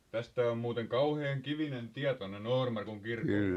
Tästä on muuten kauhean kivinen tie tuonne Noormarkun kirkolle